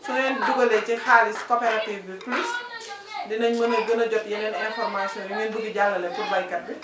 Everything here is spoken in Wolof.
su ngeen dugalee ci xaalis coopérative bi plus dinañ mën a gën a jot yeneen information yu ngeen bëgg a jàllale pour béykat bi